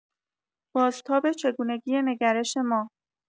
بازتاب چگونگی نگرش ما